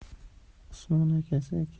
usmon akasi kelishini